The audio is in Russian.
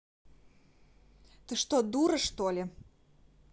ты что дура что ли